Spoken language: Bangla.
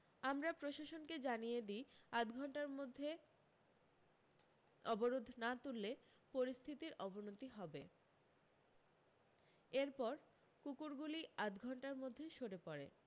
আমরা প্রশাসনকে জানিয়ে দি আধ ঘন্টার মধ্যে অবরোধ না তুললে পরিস্থিতির অবনতি হবে এরপর কুকুরগুলি আধ ঘন্টার মধ্যে সরে পড়ে